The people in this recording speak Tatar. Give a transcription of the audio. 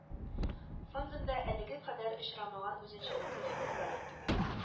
Фондында әлегә кадәр очрамаган үзенчәлекле фикерләр әйтүгә